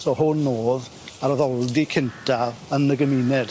So hwn o'dd yr addoldy cynta yn y gymuned.